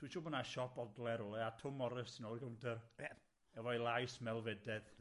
Dwi siŵr bo' 'na siop odle rwle a Twm Morris you know rownd y... Ie. ..efo'i lais, melfydedd.